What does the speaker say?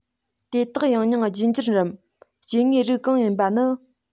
དེ དག ཡང སྙིང རྒྱུད འགྱུར རམ སྐྱེ དངོས རིགས གང ཡིན པ ནི